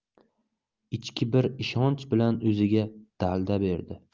ichki bir ishonch bilan o'ziga dalda berdi